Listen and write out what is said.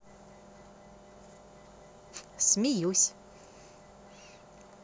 смеюсь